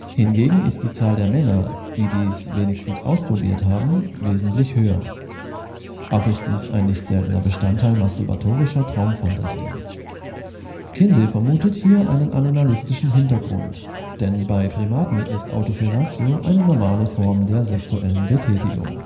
Hingegen ist die Zahl der Männer, die dies wenigstens ausprobiert haben, wesentlich höher; auch ist dies ein nicht seltener Bestandteil masturbatorischer Traum-Phantasien. Kinsey vermutet hier einen animalischen Hintergrund, denn bei Primaten ist Autofellatio eine normale Form der sexuellen Betätigung